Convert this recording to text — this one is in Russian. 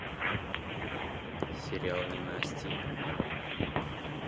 сериал ненастье